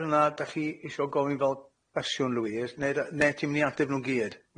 Ai hwnna 'dach chi isio gofyn fel cwestiwn Louise ne- ne' ti'n mynd i ateb nhw i gyd?